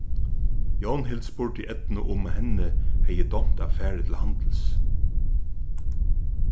jónhild spurdi eydnu um henni hevði dámt at farið til handils